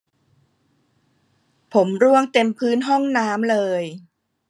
ผมร่วงเต็มพื้นห้องน้ำเลย